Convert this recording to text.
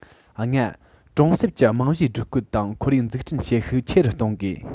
ལྔ གྲོང གསབ ཀྱི རྨང གཞིའི སྒྲིག བཀོད དང ཁོར ཡུག འཛུགས སྐྲུན བྱེད ཤུགས ཆེ རུ གཏོང དགོས